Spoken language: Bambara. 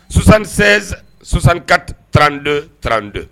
Susansen sɔsanka trante trante